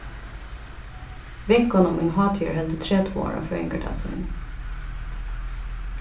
vinkona mín hátíðarheldur tretivu ára føðingardag sín